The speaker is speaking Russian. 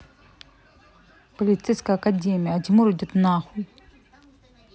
полицейская академия а тимур идет нахуй